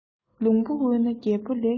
ལུང པ དབུལ ན རྒྱལ པོ ལས ཀྱིས དབུལ